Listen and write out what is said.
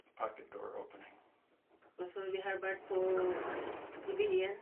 Og så vi har vært på i byen.